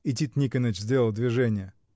И Тит Никоныч сделал движение.